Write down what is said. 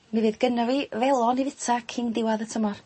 mi fyd gynna fi felon i fita cyn diwadd y tymor.